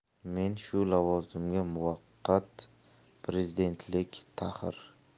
men shu lavozimga muvaqqat prezidentlik tahr